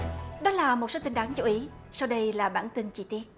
đó là một số tin đáng chú ý sau đây là bản tin chi tiết